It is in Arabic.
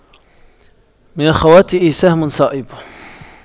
من الخواطئ سهم صائب